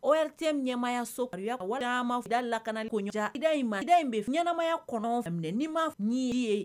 ORTM ɲɛmaayaso